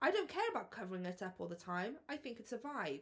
I don't care about covering it up all the time, I think it's a vibe.